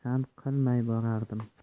pisand qilmay borardim